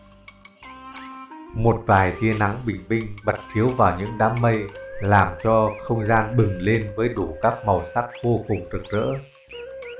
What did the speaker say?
một vài tia nắng bình minh bật chiếu vào những đám mây làm không gian bừng lên với đủ các sắc màu vô cùng rực rỡ